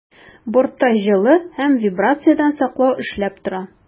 Бортта җылы һәм вибрациядән саклау эшләп тора.